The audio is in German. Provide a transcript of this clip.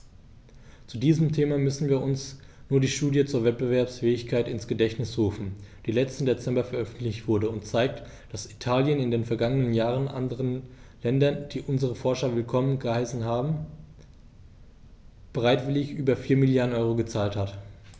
Zu diesem Thema müssen wir uns nur die Studie zur Wettbewerbsfähigkeit ins Gedächtnis rufen, die letzten Dezember veröffentlicht wurde und zeigt, dass Italien in den vergangenen Jahren anderen Ländern, die unsere Forscher willkommen geheißen haben, bereitwillig über 4 Mrd. EUR gezahlt hat.